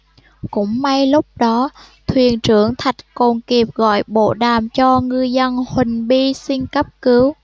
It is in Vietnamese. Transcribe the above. cũng may lúc đó thuyền trưởng thạch còn kịp gọi bộ đàm cho ngư dân huỳnh bi xin cấp cứu